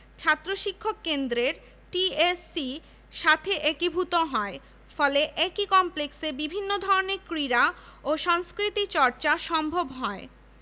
১৮ হাজার বই নিয়ে বিশ্ববিদ্যালয় গ্রন্থাগার স্থাপন করা হয়েছিল এম.ফিল ও পিএইচ.ডি কোর্সের গবেষণা বিষয়ক পান্ডুলিপির সংগ্রহ গ্রন্থাগারটি প্রসারের একটি উল্লেখযোগ্য দিক